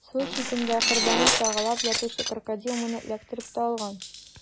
Су читендә корбанын сагалап ятучы Крокодил моны эләктереп тә алган.